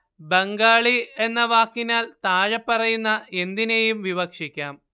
ബംഗാളി എന്ന വാക്കിനാല്‍ താഴെപ്പറയുന്ന എന്തിനേയും വിവക്ഷിക്കാം